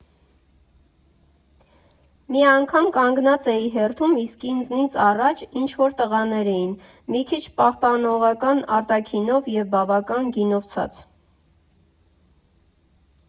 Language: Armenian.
Մի անգամ, կանգնած էի հերթում, իսկ ինձնից առաջ ինչ֊որ տղաներ էին, մի քիչ պահպանողական արտաքինով և բավական գինովցած։